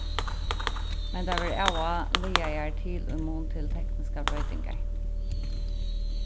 men tær verða av og á lagaðar til í mun til tekniskar broytingar